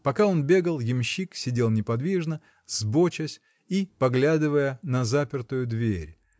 Пока он бегал, ямщик сидел неподвижно, сбочась и поглядывая на запертую дверь